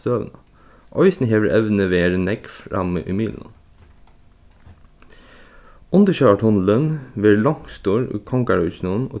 støðuna eisini hevur evnið verið nógv frammi í miðlunum undirsjóvartunnilin verður longstur í kongaríkinum og